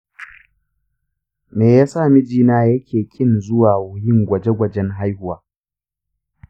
me yasa mijina yake ƙin zuwa yin gwaje-gwajen haihuwa?